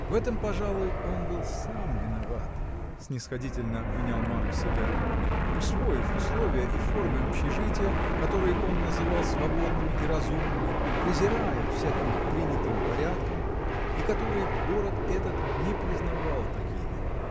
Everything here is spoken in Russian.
В этом, пожалуй, он был сам виноват (снисходительно обвинял Марк себя), усвоив условия и формы общежития, которые он называл свободными и разумными, презирая всяким принятым порядком, и которые город этот не признавал такими.